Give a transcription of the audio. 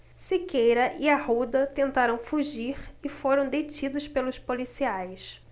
siqueira e arruda tentaram fugir e foram detidos pelos policiais